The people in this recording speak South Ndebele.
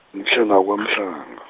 mtjhana kwaMhlanga.